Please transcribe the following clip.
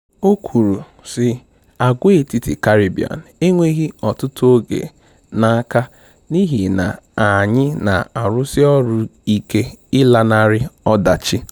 O kwuru, sị, "Agwaetiti Caribbean enweghị ọtụtụ oge n'aka n'ihi na [anyị] na-arụsi ọrụ ike ịlanarị ọdachi.